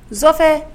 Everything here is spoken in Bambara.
N fɛ